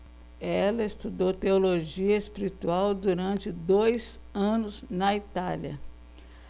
ela estudou teologia espiritual durante dois anos na itália